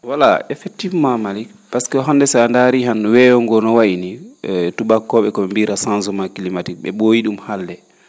wolà éffectivement Malick pasque so a ndaari han weeyo ngo no wayi nii tuubakoo?e ko ?e mbiira changement climatique ?e ?ooyi ?um haalde